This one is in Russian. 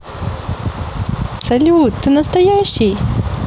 салют ты настоящий